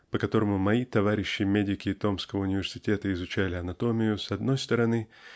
по которому мои товарищи-медики томского университета изучали анатомию с одной стороны